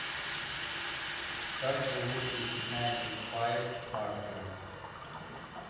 как зовут из magic five артура